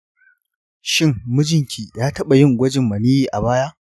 shin mijinki ya taɓa yin gwajin maniyyi a baya?